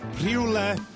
...rhywle